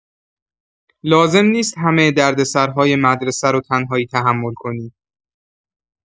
لازم نیست همه دردسرهای مدرسه رو تنهایی تحمل کنی.